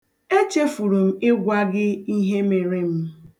Echefuru m ịgwa gị ihe mere m.